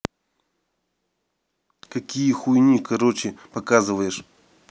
какие хуйни короче показываешь